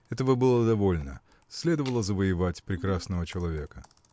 этого было довольно: следовало завоевать "прекрасного" человека.